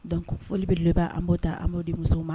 Donc foli bɛ laban' an' taa an amadu de muso ma